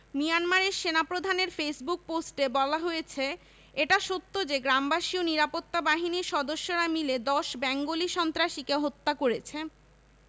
মিয়ানমারের সেনাপ্রধানের ফেসবুক পোস্টে বলা হয়েছে এটা সত্য যে গ্রামবাসী ও নিরাপত্তা বাহিনীর সদস্যরা মিলে ১০ বেঙ্গলি সন্ত্রাসীকে হত্যা করেছে